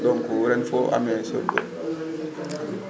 donc ren foo amee sorgho